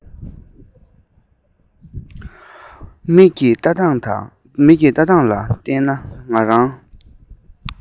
མིག གིས ལྟ སྟངས ལ བལྟས ན ང རང